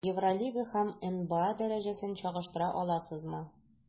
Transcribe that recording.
Евролига һәм НБА дәрәҗәсен чагыштыра аласызмы?